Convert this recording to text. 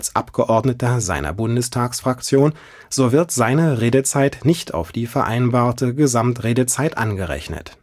Abgeordneter seiner Bundestagsfraktion, so wird seine Redezeit nicht auf die vereinbarte Gesamtredezeit angerechnet